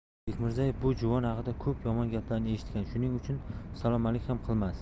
bekmirzaev bu juvon haqida ko'p yomon gaplarni eshitgan shuning uchun salom alik ham qilmasdi